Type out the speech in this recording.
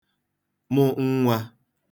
mụ n̄nwā